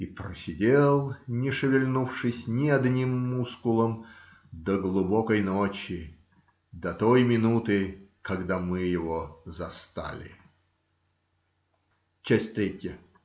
И просидел, не шевельнувшись ни одним мускулом, до глубокой ночи, до той минуты, когда мы его застали. Часть третья.